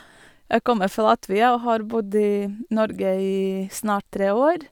Jeg kommer fra Latvia og har bodd i Norge i snart tre år.